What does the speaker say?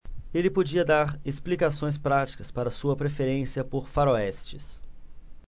ele podia dar explicações práticas para sua preferência por faroestes